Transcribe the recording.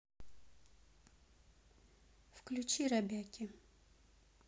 включи робяки